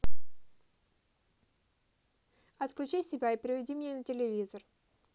отключи себя и переведи меня телевизор